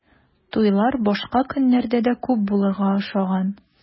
Туйлар башка көннәрдә дә күп булырга охшаган.